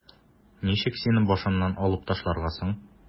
Ничек сине башымнан алып ташларга соң?